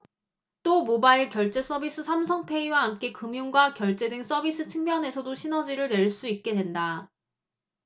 또 모바일 결제 서비스 삼성페이와 함께 금융과 결제 등 서비스 측면에서도 시너지를 낼 수 있게 된다